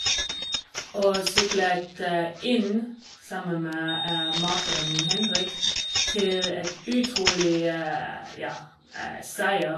Og syklet inn, sammen med makkeren min Hendrik, til et utrolig, ja, seier.